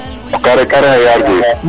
kare kare xe